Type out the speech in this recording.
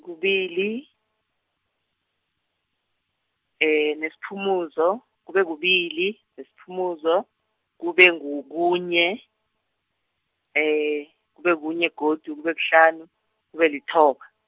kubili, nesiphumuzo, kube kubili, nesiphumuzo, kube ngu kunye, kube kunye godu, kube kuhlanu, kube lithoba.